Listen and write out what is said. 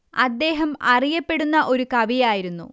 അദ്ദേഹം അറിയപ്പെടുന്ന ഒരു കവി ആയിരുന്നു